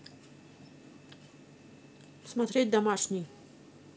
смотреть домашний